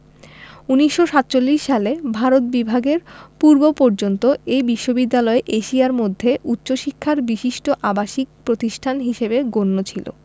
১৯৪৭ সালে ভারত বিভাগের পূর্বপর্যন্ত এ বিশ্ববিদ্যালয় এশিয়ার মধ্যে উচ্চশিক্ষার বিশিষ্ট আবাসিক প্রতিষ্ঠান হিসেবে গণ্য ছিল